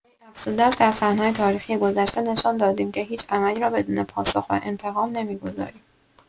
وی افزوده است: در صحنه‌های تاریخی گذشته نشان دادیم که هیچ عملی را بدون پاسخ و انتقام نمی‌گذاریم.